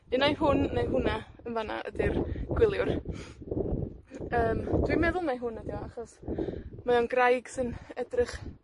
un ai hwn neu hwnna yn fan 'na ydi'r gwyliwr. Yym, dwi'n meddwl mai hwn ydi o, achos, mae o'n graig sy'n edrych,